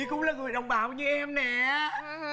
chị cũng là người đồng bào như em nè